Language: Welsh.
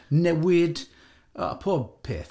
Newid, o, pob peth!